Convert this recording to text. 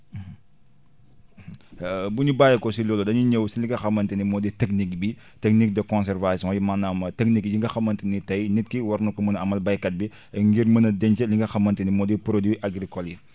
bu ñu bàyyeekoo ci loolu da ñuy ñëw si li nga xamante ni moo di technique bi technique de conservation yi maanaam techniques yi nga xamante ni tey nit ki war na ko mën a amal baykat bi ngir mën a denc li nga xamante ni moo di produit agricoles yi